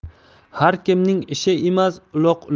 har kimning ishi emas uloq